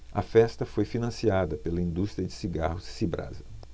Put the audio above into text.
a festa foi financiada pela indústria de cigarros cibrasa